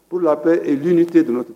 P a ni te donna ten